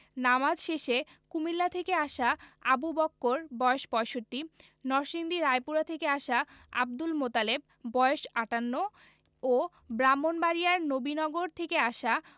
নামাজ শেষে কুমিল্লা থেকে আসা আবু বক্কর বয়স ৬৫ নরসিংদী রায়পুরা থেকে আসা আবদুল মোতালেব বয়স ৫৮ ও ব্রাহ্মণবাড়িয়ার নবীনগর থেকে আসা